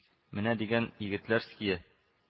Менә дигән егетләрские